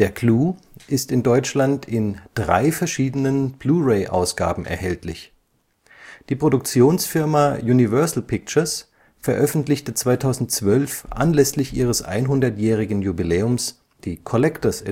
Clou ist in Deutschland in drei verschiedenen Blu-ray-Ausgaben erhältlich. Die Produktionsfirma Universal Pictures veröffentlichte 2012 anlässlich ihres 100-jährigen Jubiläums die Collector´s